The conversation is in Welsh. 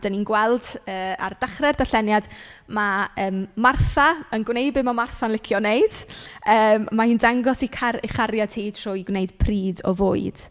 Dan ni'n gweld yy ar dechrau'r darlleniad, ma' yym Martha yn gwneud be mae Martha'n licio wneud, yym ma' hi'n dangos ei car- ei chariad hi trwy gwneud pryd o fwyd.